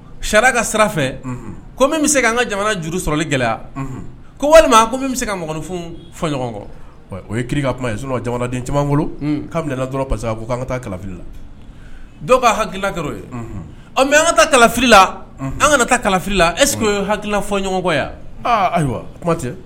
Sariya ka sira fɛ ko min bɛ se an ka jamana juru sɔrɔli gɛlɛya ko walima ko min bɛ se ka mɔgɔninfin fɔ ɲɔgɔnkɔ o ye ki ka kuma ye jamanaden caman bolo ka dɔrɔn parce que a ko' an ka taa kalafila dɔw ka hakilikilaki ye ɔ mɛ an ka taa kalafila an ka taa kalafilila eo ye hakilikila fɔ ɲɔgɔnkɔ yan ayiwa kumatɛ